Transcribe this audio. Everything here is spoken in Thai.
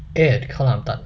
เอซข้าวหลามตัด